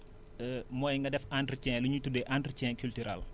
mooy nga def entretien li ñuy tuddee entretien culturale